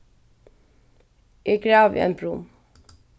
eg gravi ein brunn